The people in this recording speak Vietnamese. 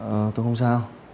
ờ tôi không sao